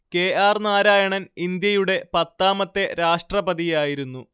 K R Narayanan ഇന്ത്യയുടെ പത്താമത്തെ രാഷ്ട്രപതിയായിരുന്നു